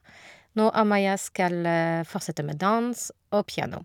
Nå Amaya skal fortsette med dans og piano.